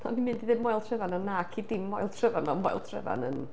O'n i'n mynd i ddeud Moel Tryfan, ond naci, dim Moel Tryfan, ma' Moel Tryfan yn...